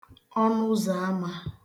̣ọnụụzọ̀ ama